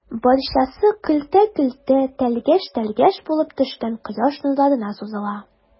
Барчасы көлтә-көлтә, тәлгәш-тәлгәш булып төшкән кояш нурларына сузыла.